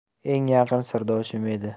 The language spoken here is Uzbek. eng yaqin sirdoshim edi